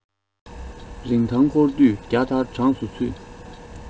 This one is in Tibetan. རིན ཐང སྐོར དུས བརྒྱ སྟར གྲངས སུ ཚུད